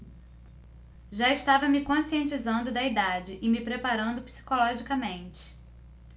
já estava me conscientizando da idade e me preparando psicologicamente